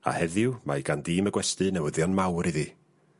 A heddiw mae gan dîm y gwesty newyddion mawr iddi.